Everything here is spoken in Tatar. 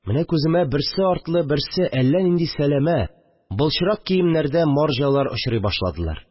Менә күземә берсе артлы берсе әллә нинди сәләмә, былчырак киемнәрдә марҗалар очрый башладылар